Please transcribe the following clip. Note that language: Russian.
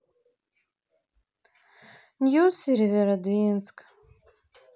ньюс северодвинск